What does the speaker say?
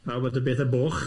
Pawb at y beth, y boch.